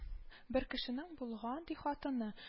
Бер кешенең булган, ди, хатыны